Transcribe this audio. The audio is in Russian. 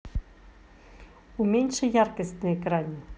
уменьши яркость на экране